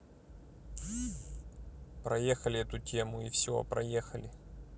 проехали эту тему и все проехали